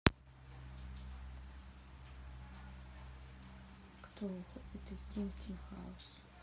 кто уходит из dream team house